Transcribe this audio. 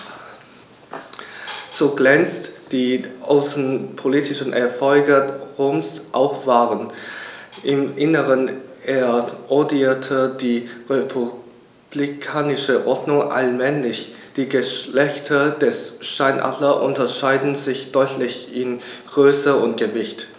So glänzend die außenpolitischen Erfolge Roms auch waren: Im Inneren erodierte die republikanische Ordnung allmählich. Die Geschlechter des Steinadlers unterscheiden sich deutlich in Größe und Gewicht.